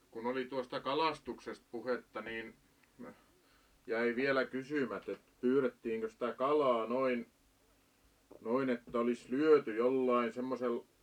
kun oli tuosta kalastuksesta puhetta niin jäi vielä kysymättä että pyydettiinkö sitä kalaa noin noin että olisi lyöty jollakin semmoisella